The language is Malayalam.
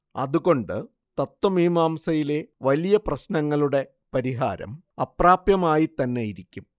അതുകൊണ്ട് തത്ത്വമീമാംസയിലെ വലിയ പ്രശ്നങ്ങളുടെ പരിഹാരം അപ്രാപ്യമായിത്തന്നെയിരിക്കും